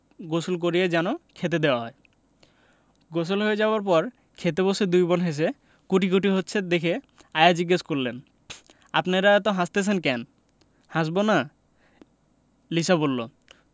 গোসল করিয়ে যেন খেতে দেওয়া হয় গোসল হয়ে যাবার পর খেতে বসে দুই বোন হেসে কুটিকুটি হচ্ছে দেখে আয়া জিজ্ঞেস করলেন আপনেরা অত হাসতাসেন ক্যান হাসবোনা লিসা বললো